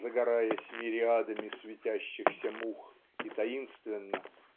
загораясь мириадами светящихся мух и таинственно